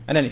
anani